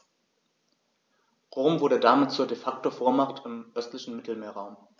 Rom wurde damit zur ‚De-Facto-Vormacht‘ im östlichen Mittelmeerraum.